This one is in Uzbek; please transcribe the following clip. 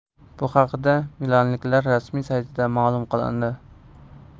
bu haqda milanliklar rasmiy saytida ma'lum qilindi